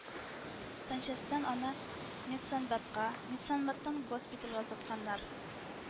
Санчастьтан аны — медсанбатка, медсанбаттан госпитальгә озатканнар